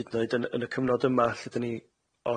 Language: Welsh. hyd yn oed yn yn y cyfnod yma lle 'dan ni os gawn i'r